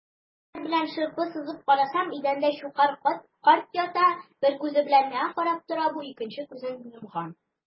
Көч-хәл белән шырпы сызып карасам - идәндә Щукарь карт ята, бер күзе белән миңа карап тора бу, икенче күзен йомган.